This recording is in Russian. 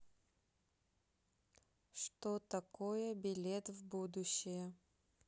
что такое билет в будущее